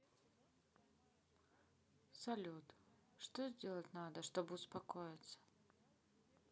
салют что сделать надо чтобы успокоиться